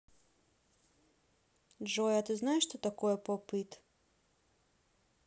джой а ты знаешь что такое pop it